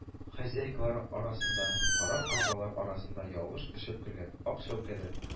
Хозяйкалары арасында, кара каргалар арасына ялгыш очып кергән ак чәүкәдән